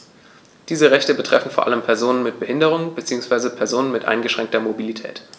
Diese Rechte betreffen vor allem Personen mit Behinderung beziehungsweise Personen mit eingeschränkter Mobilität.